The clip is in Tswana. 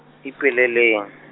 ipeleleng.